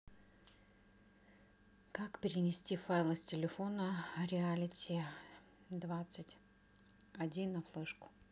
как перенести файлы с телефона реалити двадцать один на флешку